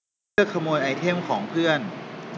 เลือกขโมยไอเทมของเพื่อน